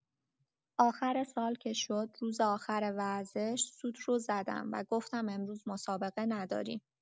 آخر سال که شد، روز آخر ورزش، سوت رو زدم و گفتم امروز مسابقه نداریم.